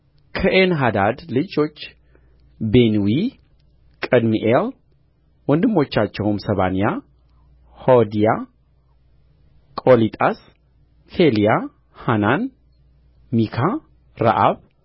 ከኤንሐዳድ ልጆች ቢንዊ ቀድምኤል ወንድሞቻቸውም ሰባንያ ሆዲያ ቆሊጣስ ፌልያ ሐናን ሚካ ረአብ